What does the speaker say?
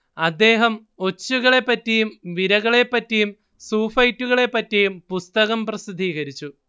അദ്ദേഹം ഒച്ചുകളെപ്പറ്റിയും വിരകളെപ്പറ്റിയും സൂഫൈറ്റുകളെപ്പറ്റിയും പുസ്തകം പ്രസിദ്ധീകരിച്ചു